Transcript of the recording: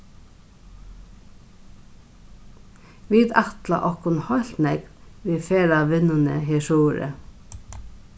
vit ætla okkum heilt nógv við ferðavinnuni her suðuri